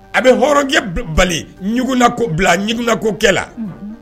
A bɛ hɔrɔnjɛ baliina ko kɛ la